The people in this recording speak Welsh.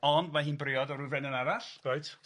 Ond mae hi'n briod efo ryw frenin arall. Reit.